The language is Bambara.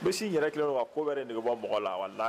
Misi ɲɛna kelen wa ko bɛ ne bɔ mɔgɔ la